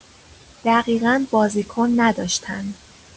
دقیقا بازیکن نداشتن